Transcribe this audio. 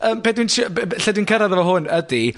...yym be dwi'n trio... Be' be' lle dwi'n cyrradd efo hwn ydi...